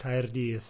Caerdydd.